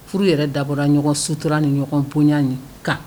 Furu yɛrɛ dabɔra ɲɔgɔn sutura ni ɲɔgɔnbon nin kan